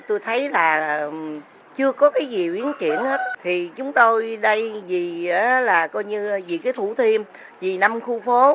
tôi thấy là chưa có cái gì biến chuyển thì chúng tôi đây gì á là coi như dì cái thủ thiêm dì năm khu phố